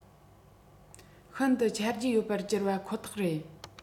ཤིན ཏུ ཆ རྒྱུས ཡོད པར གྱུར པ ཁོ ཐག རེད